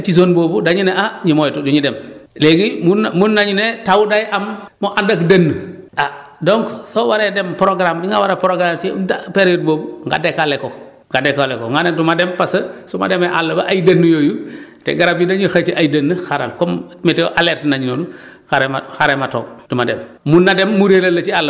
léegi dèjà ñi nga xam dañu nekk ci zone boobu dañuy ne ah ñu moytu du ñu dem léegi mun nañu ne taw day am mu ànd ak dënnu ah donc soo waree dem programme bi nga war a propgrammer si période boobu nga décaller ko nga décaller ko nga ne du ma dem parce que su ma demee àll ba ay dënnu yooyu te garab yi dañuy xëcc ay dënnu xaaral comme météo alerter nañ noonu xaaral ma xaaral ma toog du ma dem